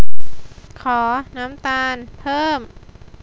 ขอน้ำตาลเพิ่ม